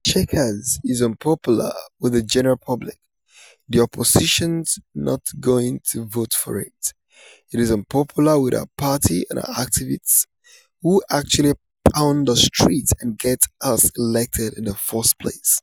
Chequers is unpopular with the general public, the Opposition's not going to vote for it, it's unpopular with our party and our activists who actually pound the streets and get us elected in the first place.